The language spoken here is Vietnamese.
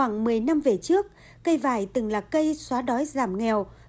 khoảng mười năm về trước cây vải từng là cây xóa đói giảm nghèo